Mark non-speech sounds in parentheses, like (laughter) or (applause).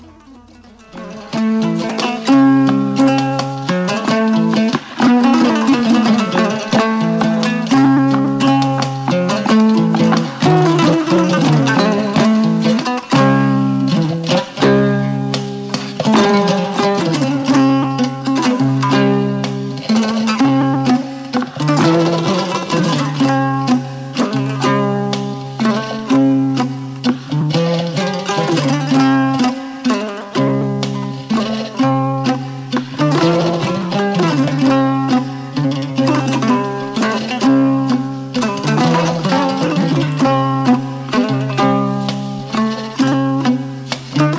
(music)